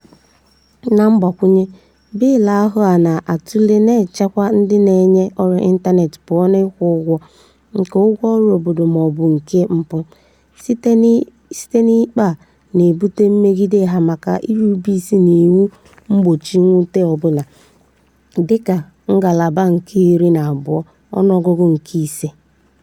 Na mgbakwụnye, bịịlụ ahụ a na-atụle na-echekwa ndị na-enye ọrụ ịntaneetị pụọ n'ịkwụ ụgwọ nke "ụgwọ ọrụ obodo ma ọ bụ nke mpụ" sitere na ikpe a na-ebute megide ha maka "irube isi n'iwu mgbochi nnweta ọ bụla", dị ka ngalaba nke 12, ọnụọgụgụ nke 5.